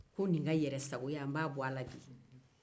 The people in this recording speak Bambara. ko n be nin ka yɛrɛsagoya bɔ a la bi